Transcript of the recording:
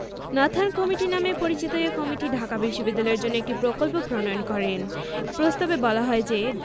Nathan committee নামে পরিচিত এ কমিটি ঢাকা বিশ্ববিদ্যালয়ের জন্য একটি প্রকল্প প্রণয়ন করেন প্রস্তাবে বলা হয় যে